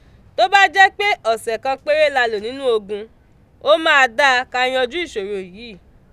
Tó bá jẹ́ pé ọ̀sẹ̀ kan péré la lò nínú ogun, ó máa dáa ka yanjú ìṣòro yíì.